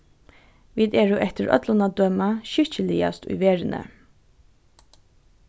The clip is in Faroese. vit eru eftir øllum at døma skikkiligast í verðini